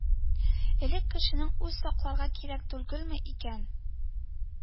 Элек кешенең үзен сакларга кирәк түгелме икән